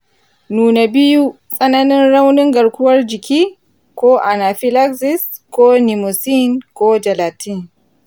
nuna biyu, tsananin raunin garkuwar jiki, ko anaphylaxis ga neomycin ko gelatin.